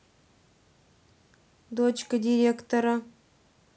дочка директора